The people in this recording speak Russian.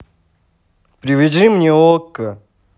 привяжи мне okko